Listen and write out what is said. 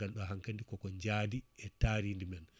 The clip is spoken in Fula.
ganduɗa koko jaadi e taaride men